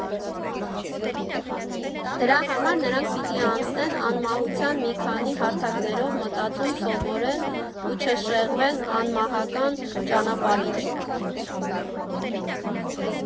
Դրա համար նրանք պիտի անցնեն անմահության մի քանի հարթակներով, մտածում սովորեն ու չշեղվեն անմահական ճանապարհից։